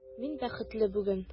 Мин бәхетле бүген!